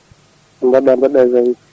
no mbaɗɗa mbaɗɗa *